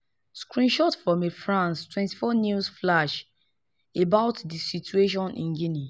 Screenshot from a France 24 news flash about the situation in Guinea.